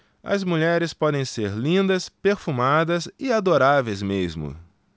as mulheres podem ser lindas perfumadas e adoráveis mesmo